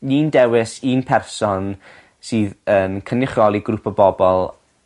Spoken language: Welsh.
ni'n dewis un person sydd yn cynrychioli grŵp o bobol